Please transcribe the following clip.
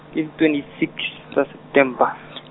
ke di twenty six, tsa September .